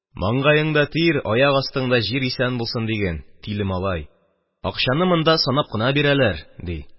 «маңгаеңда тир, аяк астыңда җир исән булсын диген, тиле малай, акчаны монда санап кына бирәләр», – ди.